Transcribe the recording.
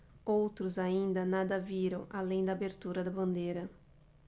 outros ainda nada viram além da abertura da bandeira